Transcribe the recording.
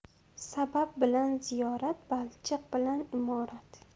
sabab bilan ziyorat balchiq bilan imorat